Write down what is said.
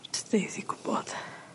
Js neis i gwbod.